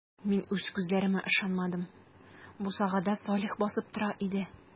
Мин үз күзләремә ышанмадым - бусагада Салих басып тора иде.